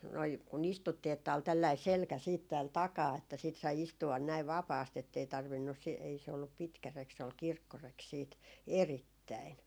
noin kun istuttiin että oli tällainen selkä sitten täällä takana että sitten sai istua näin vapaasti että ei tarvinnut - ei se ollut pitkä reki se oli kirkkoreki sitten erittäin